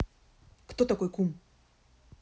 кто такой кум